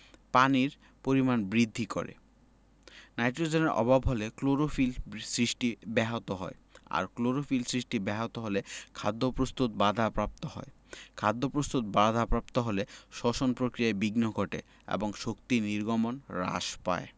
পানির পরিমাণ বৃদ্ধি করে নাইট্রোজেনের অভাব হলে ক্লোরোফিল সৃষ্টি ব্যাহত হয় আর ক্লোরোফিল সৃষ্টি ব্যাহত হলে খাদ্য প্রস্তুত বাধাপ্রাপ্ত হয় খাদ্যপ্রস্তুত বাধাপ্রাপ্ত হলে শ্বসন প্রক্রিয়ায় বিঘ্ন ঘটে এবং শক্তি নির্গমন হ্রাস পায়